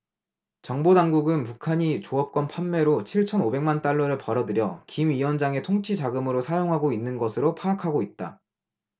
정보당국은 북한이 조업권 판매로 칠천 오백 만 달러를 벌어들여 김 위원장의 통치자금으로 사용하고 있는 것으로 파악하고 있다